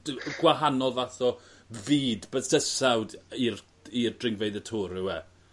dw- gwahanol fath o fyd bydysawd i'r i'r dringfeydd y Tour yw e?